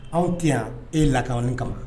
Anw tɛ yan e lakanani kama